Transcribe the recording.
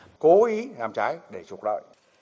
cố ý làm trái để trục lợi